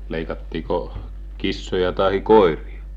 leikattiinko kissoja tai koiria